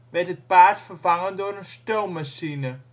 werd het paard vervangen door een stoommachine